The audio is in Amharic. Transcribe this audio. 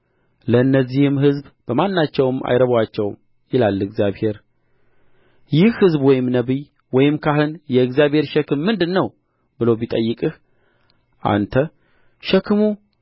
ለእነዚህም ሕዝብ በማናቸውም አይረቡአቸውም ይላል እግዚአብሔር ይህ ሕዝብ ወይም ነቢይ ወይም ካህን የእግዚአብሔር ሸክም ምንድር ነው ብሎ ቢጠይቅህ አንተ ሸክሙ